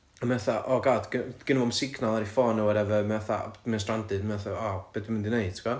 a mae fatha oh god gy- gynno fo'm signal ar ei ffôn or whatever mae o fatha mae'n stranded mae o fatha "o be dwi mynd i neud" ti gwbod